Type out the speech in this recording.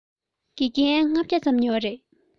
དགེ རྒན ༥༠༠ ཙམ ཡོད རེད